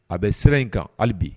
A bɛ sira in kan hali bi